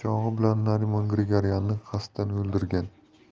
bilan narimon grigoryanni qasddan o'ldirgan